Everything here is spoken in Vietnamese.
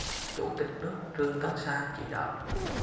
chủ tịch nước trương tấn sang chỉ đạo